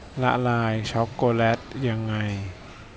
ละลายช็อคโกแลตยังไง